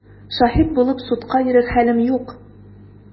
Шаһит булып судка йөрер хәлем юк!